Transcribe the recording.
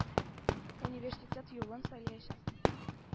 Университет юлын сайлаячак.